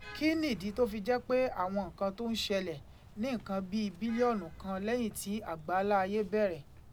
Kí nìdí tó fi jẹ́ pé àwọn nǹkan tó ń ṣẹlẹ̀ ní nǹkan bí bílíọ̀nù kan lẹ́yìn tí àgbáálá ayé bẹ̀rẹ̀?